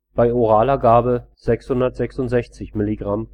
bei oraler Gabe 666 mg/kg